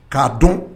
K'a dɔn